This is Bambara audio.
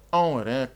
Anw yɛrɛ